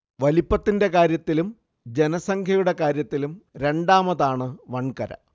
വലിപ്പത്തിന്റെ കാര്യത്തിലും ജനസംഖ്യയുടെ കാര്യത്തിലും രണ്ടാമതാണ് വൻകര